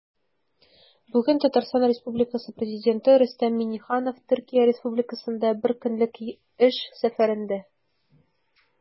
Бүген Татарстан Республикасы Президенты Рөстәм Миңнеханов Төркия Республикасында бер көнлек эш сәфәрендә.